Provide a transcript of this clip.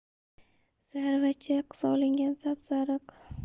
zarchava solingan sapsariq